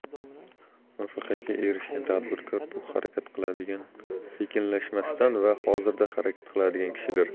muvaffaqiyatga erishgan tadbirkor bu harakat qiladigan sekinlashmasdan va hozirda harakat qiladigan kishidir